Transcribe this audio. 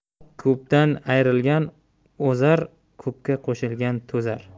ko'pdan ayrilgan ozar ko'pga qo'shilgan o'zar